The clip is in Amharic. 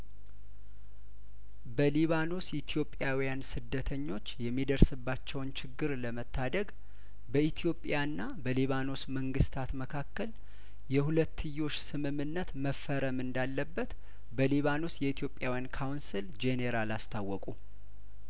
በሊባኖስ ኢትዮጵያውያን ስደተኞች የሚደርስ ባቸውን ችግር ለመታደግ በኢትዮጵያ ና በሊባኖስ መንግስታት መካከል የሁለትዮሽ ስምምነት መፈረም እንዳለበት በሊባኖስ የኢትዮጵያውያን ካውንስል ጄኔራል አስታወቁ